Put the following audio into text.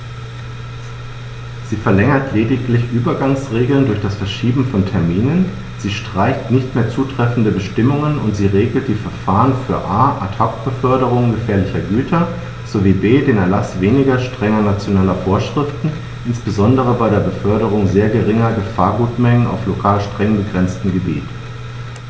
Sie verlängert lediglich Übergangsregeln durch das Verschieben von Terminen, sie streicht nicht mehr zutreffende Bestimmungen, und sie regelt die Verfahren für a) Ad hoc-Beförderungen gefährlicher Güter sowie b) den Erlaß weniger strenger nationaler Vorschriften, insbesondere bei der Beförderung sehr geringer Gefahrgutmengen auf lokal streng begrenzten Gebieten.